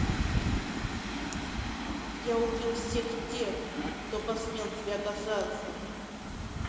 я убил всех тех кто посмел тебя касаться